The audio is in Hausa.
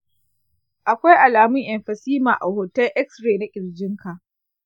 akwai alamun emphysema a hoton x-ray na ƙirjinka.